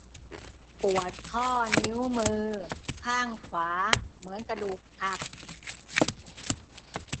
ปวดข้อนิ้วมือข้างขวาเหมือนกระดูกหัก